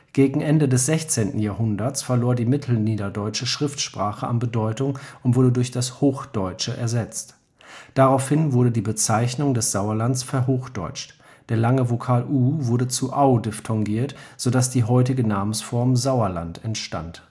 Gegen Ende des 16. Jahrhunderts verlor die mittelniederdeutsche Schriftsprache an Bedeutung und wurde durch das Hochdeutsche ersetzt. Daraufhin wurde die Bezeichnung des Sauerlands verhochdeutscht: der lange Vokal u wurde zu au diphthongiert, sodass die heutige Namensform Sauerland entstand